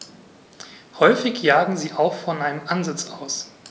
Häufig jagen sie auch von einem Ansitz aus.